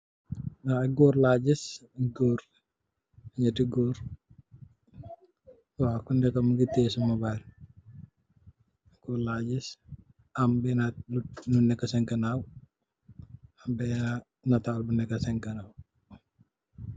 Waw goor la giss goor nyate goor waw kuneka muge teye sa mobile lolu la giss am bena lu neka sen ganaw am bena natal bu neka sen kanam.